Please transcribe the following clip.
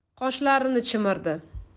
qoshlarini chimirdi